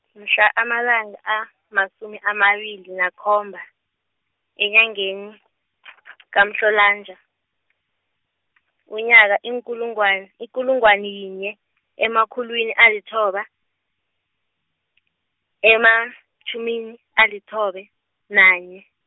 mhla amalanga amasumi amabili nakhomba, enyangeni, kaMhlolanja, unyaka iinkululungwana, ikulungwana yinye, emakhulwini alithoba, ematjhumini alithobe, nanye.